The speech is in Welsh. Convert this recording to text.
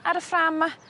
ar y ffrâm 'ma